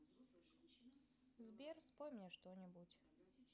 сбер спой мне что нибудь